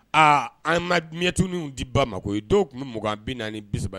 Aa an matw di ba ma ko dɔw tun bɛ mɔgɔugan an bi naani bisa